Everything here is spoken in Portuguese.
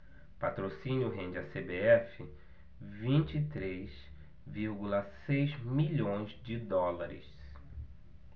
patrocínio rende à cbf vinte e três vírgula seis milhões de dólares